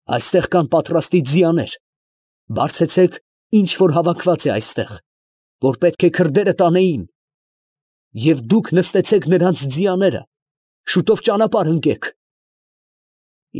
Այստեղ կան պատրաստի ձիաներ. բարձեցե՛ք, ինչ որ հավաքված է այստեղ, որ պետք է քրդերը տանեին. և դուք նստեցեք նրանց ձիաները, շուտով ճանապարհ ընկե՛ք։ ֊